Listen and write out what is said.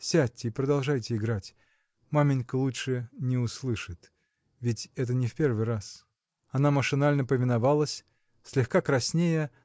Сядьте и продолжайте играть: маменька лучше не услышит ведь это не в первый раз. Она машинально повиновалась слегка краснея